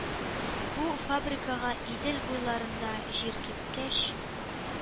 Бу фабрикага Идел буйларында җир кипкәч,